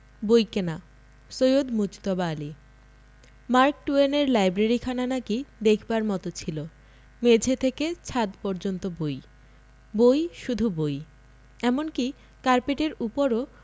বইকেনা Syed Mujtaba Ali Mark টুয়েনের লাইব্রেরিখানা নাকি দেখবার মত ছিল মেঝে থেকে ছাত পর্যন্ত বই বই শুধু বই এমনকি কার্পেটের উপরও